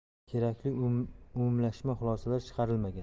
kerakli umumlashma xulosalar chiqarilmagan